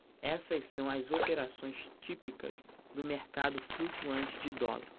essas são as operações típicas do mercado flutuante de dólar